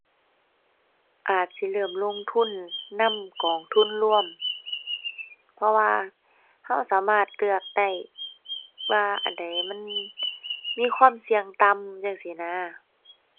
อาจสิเริ่มลงทุนนำกองทุนรวม เพราะว่าเราสามารถเลือกได้ว่าอันใดมันมีความเสี่ยงต่ำ จั่งซี้นะ